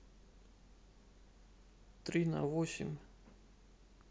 три на восемь